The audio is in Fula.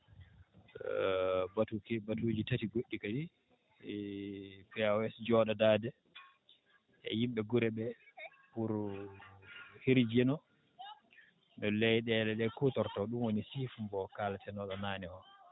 batu batuuji tati goɗɗi kadi POAS jooɗodaade e yimɓe gure ɓe pour hirjino no leyɗeele ɗee kuutortoo ɗum woni SIF mbo kalatenooɗo naane oo